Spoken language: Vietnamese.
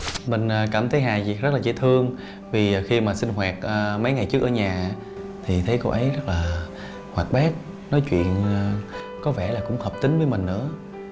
mình cảm thấy hà việt rất là dễ thương vì khi mà sinh hoạt mấy ngày trước ở nhà thì thấy cô ấy rất là hoạt bát nói chuyện có vẻ là cũng hợp tính với mình nữa